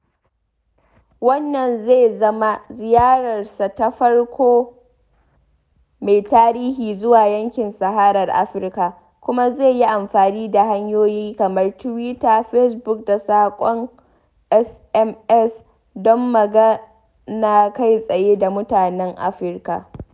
Wannan zai zama ziyararsa ta farko mai tarihi zuwa Yankin Saharar Afirka, kuma zai yi amfani da hanyoyi kamar Twitter, Facebook, da saƙon SMS don magana kai tsaye da matanan Afirka.